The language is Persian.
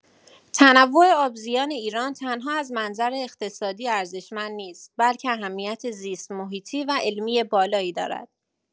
تنوع آبزیان ایران تنها از منظر اقتصادی ارزشمند نیست، بلکه اهمیت زیست‌محیطی و علمی بالایی دارد.